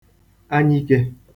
anyikē